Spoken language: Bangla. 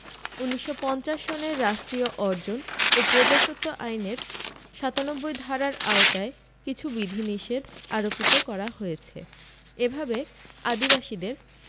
১৯৫০ সনের রাষ্ট্রীয় অর্জন ও প্রজাস্বত্ব আইনের ৯৭ ধারার আওতায় কিছু বিধিনিষেধ আরোপিত করা হয়েছে এভাবে আদিবাসীদের